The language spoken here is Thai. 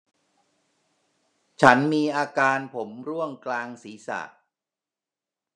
ฉันมีอาการผมร่วงกลางศีรษะ